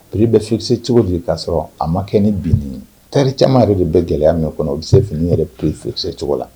P bɛ fisɛ cogo de kaa sɔrɔ a ma kɛ ni binnen teri caman yɛrɛ de bɛ gɛlɛya min kɔnɔ o bɛ se fini yɛrɛ peur fisɛse cogo la